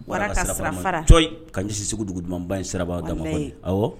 Warafa ka ɲɛsin segu dugu dumanba ye sirabaa ga ayiwa